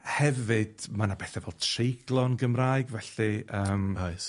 Hefyd, ma' 'na pethe fel treiglo yn Gymraeg, felly yym. Oes.